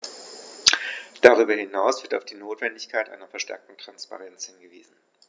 Darüber hinaus wird auf die Notwendigkeit einer verstärkten Transparenz hingewiesen.